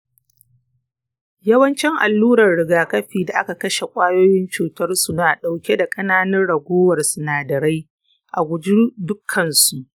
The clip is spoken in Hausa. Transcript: yawancin alluran rigakafi da aka kashe ƙwayoyin cutarsu na ɗauke da ƙananan ragowar sinadarai. a guji dukkansu.